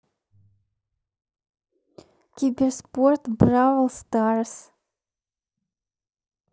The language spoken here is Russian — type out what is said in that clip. киберспорт бравл старс